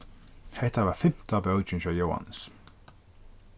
hetta var fimta bókin hjá jóannes